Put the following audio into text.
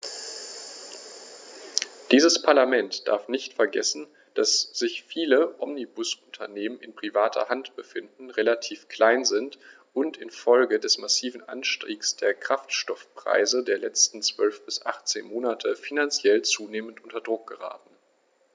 Dieses Parlament darf nicht vergessen, dass sich viele Omnibusunternehmen in privater Hand befinden, relativ klein sind und in Folge des massiven Anstiegs der Kraftstoffpreise der letzten 12 bis 18 Monate finanziell zunehmend unter Druck geraten.